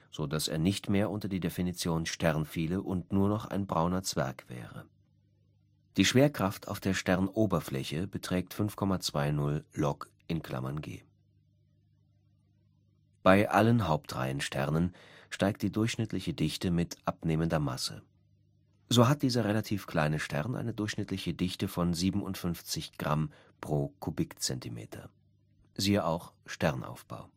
so dass er nicht mehr unter die Definition Stern fiele und nur noch ein Brauner Zwerg wäre. Die Schwerkraft auf der Sternoberfläche beträgt 5,20 log (g). [A 3] Bei allen Hauptreihensternen steigt die durchschnittliche Dichte mit abnehmender Masse. So hat dieser relativ kleine Stern eine durchschnittliche Dichte von 57 g/cm3 (siehe auch Sternaufbau